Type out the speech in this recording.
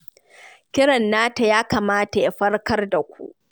Kiran nata ya kamata ya farkar da ku!